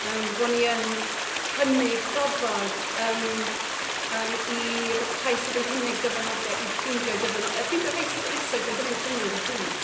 yym bod ni yn cynnig gofod yym yym i'r rhai sydd yn cynnig dyfynodau i'w ffeindio eu dyfynod- yy ffeindio rhai sydd eisoes yn gwneud synnwyr i chi.